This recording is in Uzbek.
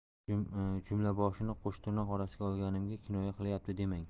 jumlaboshini qo'shtirnoq orasiga olganimga kinoya qilyapti demang